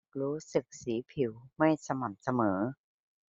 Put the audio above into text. รู้สึกสีผิวไม่สม่ำเสมอ